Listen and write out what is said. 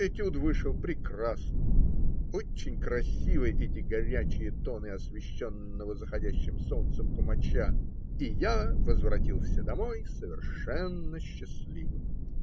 Этюд вышел прекрасный (очень красивы эти горячие тоны освещенного заходящим солнцем кумача), и я возвратился домой совершенно счастливым.